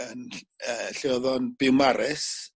yn ll- yy lle o'dd o'n Biwmaris